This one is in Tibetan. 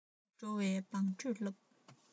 ནོར གྱི རྟ ལ འགྲོ བའི བང འགྲོས སློབས